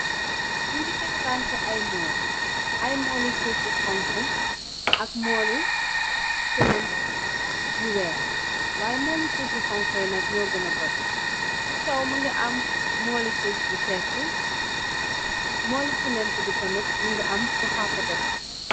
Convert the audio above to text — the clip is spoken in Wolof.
Nungi teglanteh ay mool, ay mooli suf yu honk ak mooli siment yu weex waaye mooli sufi honk ye nak ñoo gëna bar. Ci kaw mëngi am mooli suf bu fert mooli siment bi tamit më ngi am bu happateku.